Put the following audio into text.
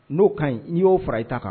No ka ɲi ni yo fara i ta kan.